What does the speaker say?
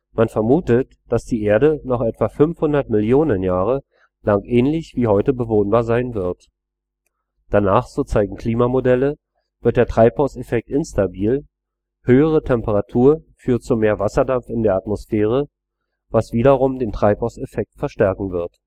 Man vermutet, dass die Erde noch etwa 500 Millionen Jahre lang ähnlich wie heute bewohnbar sein wird. Danach, so zeigen Klimamodelle, wird der Treibhauseffekt instabil – höhere Temperatur führt zu mehr Wasserdampf in der Atmosphäre, was wiederum den Treibhauseffekt verstärken wird